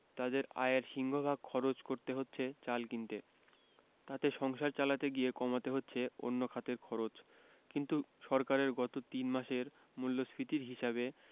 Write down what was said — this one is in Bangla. তাঁদের আয়ের সিংহভাগ খরচ করতে হচ্ছে চাল কিনতে তাতে সংসার চালাতে গিয়ে কমাতে হচ্ছে অন্য খাতের খরচ কিন্তু সরকারের গত তিন মাসের মূল্যস্ফীতির হিসাবে